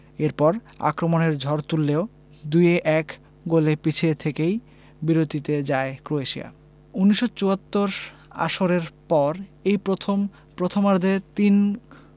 এরপর আক্রমণের ঝড় তুললেও ২ ১ গোলে পিছিয়ে থেকেই বিরতিতে যায় ক্রোয়েশিয়া ১৯৭৪ আসরের পর এই প্রথম প্রথমার্ধে তিন